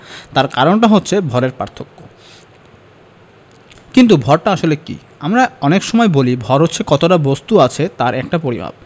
তার কারণটা হচ্ছে ভরের পার্থক্য কিন্তু ভরটা আসলে কী আমরা অনেক সময়েই বলি ভর হচ্ছে কতটা বস্তু আছে তার একটা পরিমাপ